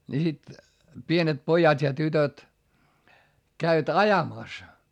niin sitten pienet pojat ja tytöt kävivät ajamassa